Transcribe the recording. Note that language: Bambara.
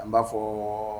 An b'a fɔ